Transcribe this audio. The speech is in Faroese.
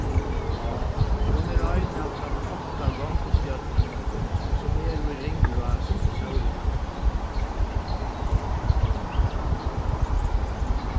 hon er ein av teimum átta gongustjørnunum sum eru í ringrás um sólina